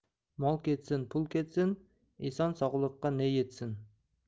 mol ketsin pul ketsin eson sog'likka ne yetsin